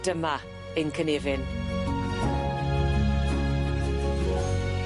Dyma ein cynefon